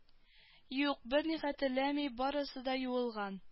Юк берни хәтерләми барысы да юылган